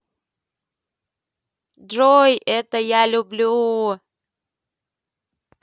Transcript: джой это я люблю